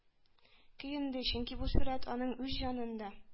Көенде, чөнки бу сурәт аның үз җанын да